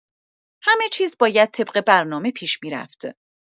همه‌چیز باید طبق برنامه پیش می‌رفت.